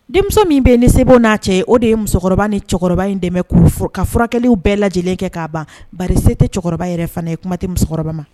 Denmisɛnw min bɛ yen ni se n'a cɛ o de ye musokɔrɔba ni cɛkɔrɔba in dɛmɛ kuru furu ka furakɛ bɛɛ la lajɛlen kɛ k ka'a ban bari se tɛ cɛkɔrɔba yɛrɛ fana ye kuma tɛ musokɔrɔba ma